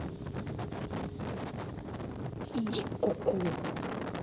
иди куку